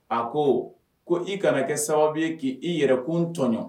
A ko ko i kana kɛ sababu ye k'i i yɛrɛkun tɔnɔn